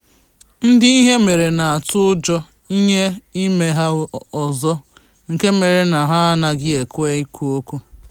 Ndị ihe mere na-atu ụjọ ihe ime ha ọzọ nke mere na ha anaghị ekwe ikwu okwu